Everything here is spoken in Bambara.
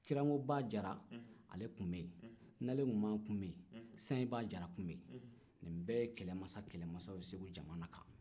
kirangoba jara ale tun bɛ yen nalenkuma tun bɛ yen sayinba jara tun bɛ yen ni bɛɛ ye kɛlɛmansa kɛlɛmansaw ye segu jamana kan